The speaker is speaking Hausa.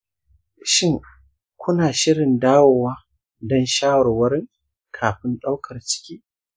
shin kuna shirin dawowa don shawarwarin kafin daukar ciki?